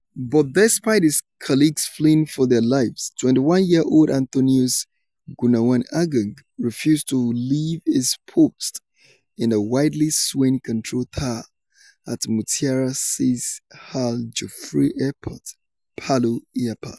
But despite his colleagues fleeing for their lives, 21-year-old Anthonius Gunawan Agung refused to leave his post in the wildly swaying control tower at Mutiara Sis Al Jufri Airport Palu airport.